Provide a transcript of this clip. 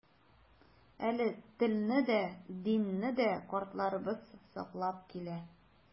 Әле телне дә, динне дә картларыбыз саклап килә.